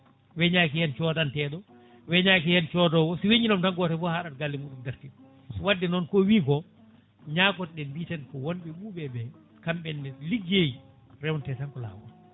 weñaki hen codanteɗo weñaki hen codowo so weñinoma tan goto hen foof haɗat galle muɗum dartina wadde noon ko wi kon ñagotoɗen mbiten ko wonɓe ɓuuɓe ɓe kamɓene ligguey rewnete tan ko lawol